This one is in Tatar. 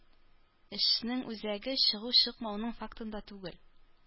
Эшнең үзәге чыгу-чыкмауның фактында түгел.